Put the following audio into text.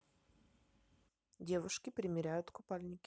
девушки примеряют купальники